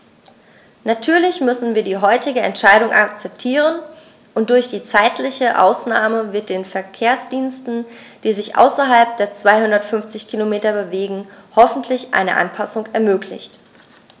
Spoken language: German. Natürlich müssen wir die heutige Entscheidung akzeptieren, und durch die zeitliche Ausnahme wird den Verkehrsdiensten, die sich außerhalb der 250 Kilometer bewegen, hoffentlich eine Anpassung ermöglicht.